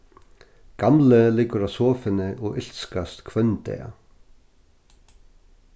gamli liggur á sofuni og ilskast hvønn dag